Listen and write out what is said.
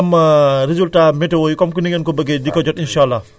bu ko defee ñuy mën a am résultat météo yi comme ni ngeen ko bëggee